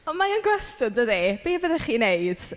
Ond ma' e'n gwestiwn, dydi. Be fyddech chi'n wneud?